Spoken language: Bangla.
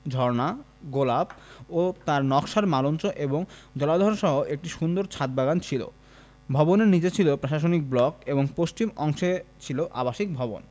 ঝর্ণা গোলাপ ও তারা নকশার মালঞ্চ এবং জলাধারসহ একটি সুন্দর ছাদ বাগান ছিল ভবনের নিচে ছিল প্রশাসনিক ব্লক এবং পশ্চিম অংশে ছিল আবাসিক ভবন